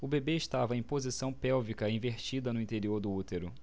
o bebê estava em posição pélvica invertida no interior do útero